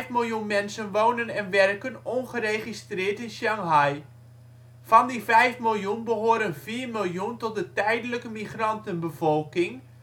miljoen mensen wonen en werken ongeregistreerd in Shanghai. Van die 5 miljoen behoren 4 miljoen tot de tijdelijke migrantenbevolking